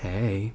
Hei!